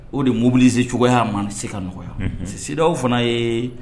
O de mobilise cogoyaya ma se ka nɔgɔyasiw fana ye